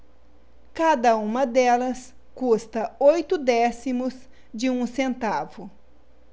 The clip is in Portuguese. cada uma delas custa oito décimos de um centavo